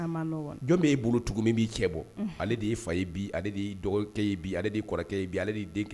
A man nɔgɔn, jɔn b'e bolo tugu min b'i cɛ bɔ, unhun, ale de y'i fa ye bi ale de y'i dɔgɔkɛ ye bi ale de y'i kɔrɔkɛ ye bi ale de y'i den